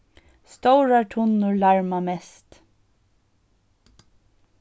stórar tunnur larma mest